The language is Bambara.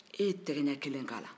e ye tɛgɛ ɲɛ kelen k'a la